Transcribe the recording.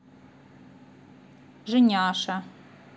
женяша